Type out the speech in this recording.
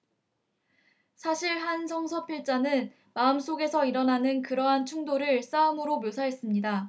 사실 한 성서 필자는 마음속에서 일어나는 그러한 충돌을 싸움으로 묘사했습니다